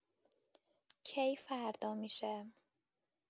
کی فردا می‌شه